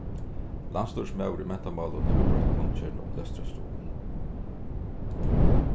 landsstýrismaður í mentamálum hevur broytt kunngerðina um lestrarstuðul